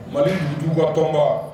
Mali dugutiguw ka tɔnbaa